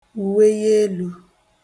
ùweyi elū